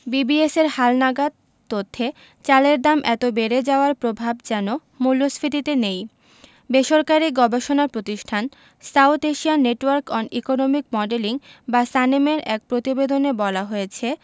বিবিএসের হালনাগাদ তথ্যে চালের দাম এত বেড়ে যাওয়ার প্রভাব যেন মূল্যস্ফীতিতে নেই বেসরকারি গবেষণা প্রতিষ্ঠান South Asian network on economic modelling বা সানেমের এক প্রতিবেদনে বলা হয়েছে